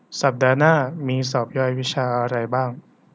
สัปดาห์หน้ามีสอบย่อยวิชาอะไรบ้าง